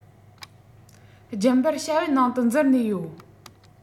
རྒྱུན པར བྱ བའི ནང དུ འཛུལ ནས ཡོད